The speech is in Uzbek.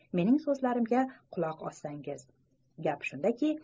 mening so'zlarimga quloq ossangiz gap shundaki